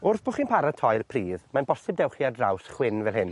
Wrth bo' chi'n paratoi'r pridd, mae'n bosib dewch chi ar draws chwyn fel hyn.